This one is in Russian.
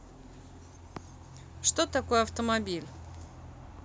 что такое автомобиль